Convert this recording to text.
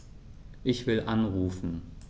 Ich will anrufen.